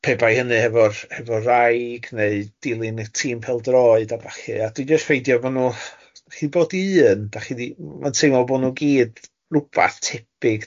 Pe bai hynny hefo'r hefo'r raig, neu dilyn y tîm pêl-droed a ballu, a dwi jyst yn ffeindio maen nhw, chi di bod i un, dach chi'n my- mae'n teimlo bo' nhw gyd rywbeth tebyg.